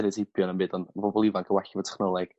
stereoteipio na'm byd ond ma' pobol ifanc yn well efo technnoleg